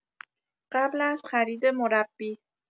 قبل از خرید مربی